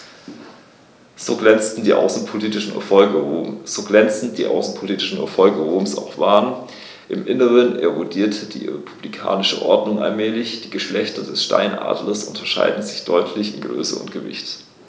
So glänzend die außenpolitischen Erfolge Roms auch waren: Im Inneren erodierte die republikanische Ordnung allmählich. Die Geschlechter des Steinadlers unterscheiden sich deutlich in Größe und Gewicht.